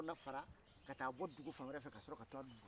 adamadenya taga bolo hakili